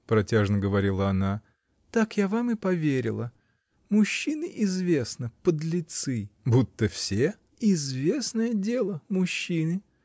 — протяжно говорила она, — так я вам и поверила! Мужчины, известно, — подлецы! — Будто все? — Известное дело — мужчины!